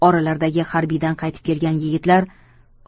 oralaridagi harbiydan qaytib kelgan yigitlar